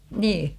niin